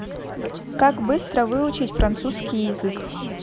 как быстро выучить французский язык